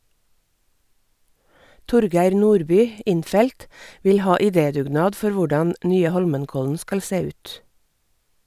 Torgeir Nordby, innfelt, vil ha idédugnad for hvordan nye Holmenkollen skal se ut.